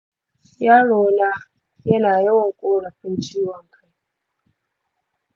yarona yana yawan korafin ciwon kai.